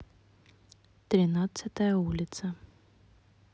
тринадцатая улица